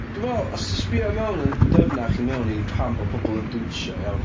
Dw i'n meddwl, os ti'n sbïo i mewn yn dyfnach i mewn i pam bod pobl yn dawnsio, iawn.